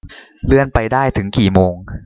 เลื่อนไปได้ถึงกี่โมง